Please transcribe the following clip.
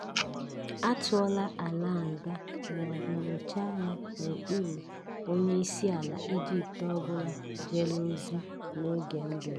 A tụọla Alaa nga ma ọ bụ nyochaa ya n'okpuru onye isi ala Egypt ọ bụla jere ozi n'oge ndụ ya.